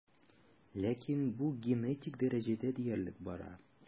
Ләкин бу генетик дәрәҗәдә диярлек бара.